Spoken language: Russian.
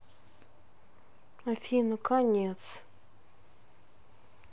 афина конец